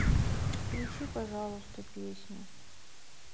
включи пожалуйста песню